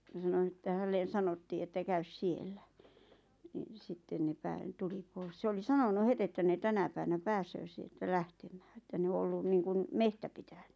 ja sanoi että hänelle sanottiin että käy siellä niin sitten ne tuli pois se oli sanonut heti että ne tänä päivänä pääsee sieltä lähtemään että ne on ollut niin kuin metsä pitänyt